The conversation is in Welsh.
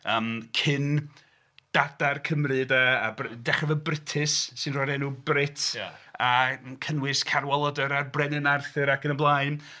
Yym cyndadau'r Cymru de, a dechrau efo Brutus sy'n rhoi'r enw Brut... Ia, a'n cynnwys Cadwaladr a'r Brenin Arthur ac yn y blaen.